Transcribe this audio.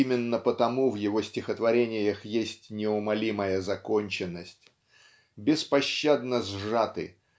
именно потому в его стихотворениях есть неумолимая законченность беспощадно сжаты